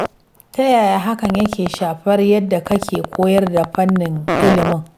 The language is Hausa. Ta yaya hakan yake shafar yadda kake koyar da fannin ilimin?